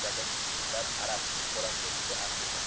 ulardan gupillab aroqning qo'lansa hidi anqiydi